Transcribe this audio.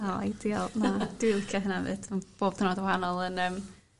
...o ideal na dwi licio hynna 'fyd ma' bob diwrnod yn wahanol yn yym